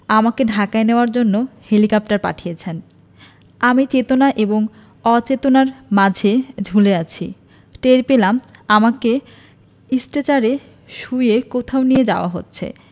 আমাকে ঢাকায় নেওয়ার জন্য হেলিকপ্টার পাঠিয়েছেন আমি চেতনা এবং অচেতনার মাঝে ঝুলে আছি টের পেলাম আমাকে স্ট্রেচারে শুইয়ে কোথাও নিয়ে যাওয়া হচ্ছে